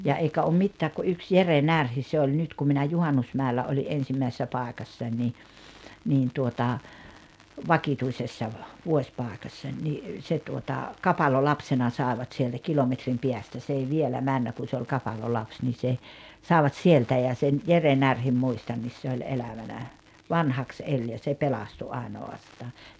ja eikä ole mitään kuin yksi Jere Närhi se oli nyt kun minä Juhannusmäellä olin ensimmäisessä paikassa niin niin tuota vakituisessa - vuosipaikassa niin se tuota kapalolapsena saivat sieltä kilometrin päästä se ei vielä mennyt kun se oli kapalolapsi niin se saivat sieltä ja sen Jere Närhen muistan se oli elävänä vanhaksi eli ja se pelastui ainoastaan